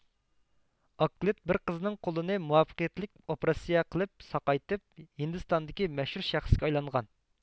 ئاكلىت بىر قىزنىڭ قولىنى مۇۋەپپەقىيەتلىك ئوپراتسىيە قىلىپ ساقايتىپ ھىندىستاندىكى مەشھۇر شەخسكە ئايلانغان